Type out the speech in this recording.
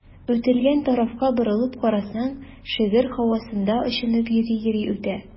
Үтелгән тарафка борылып карасаң, шигырь һавасында очынып йөри-йөри үтә.